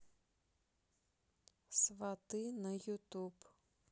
сваты на ютуб